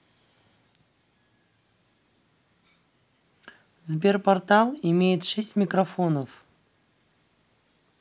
sberportal имеет шесть микрофонов